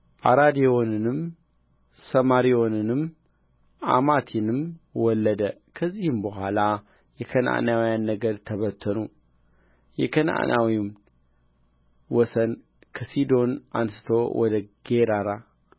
አራዴዎንንም ሰማሪዎንንም አማቲንም ወለደ ከዚህም በኋላ የከነዓናውያን ነገድ ተበተኑ የከነዓናውያንም ወሰን ከሲዶን አንሥቶ ወደ ጌራራ